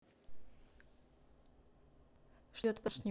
что идет по домашнему